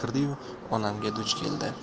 hovliga kirdiyu onamga duch keldi